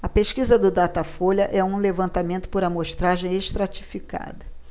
a pesquisa do datafolha é um levantamento por amostragem estratificada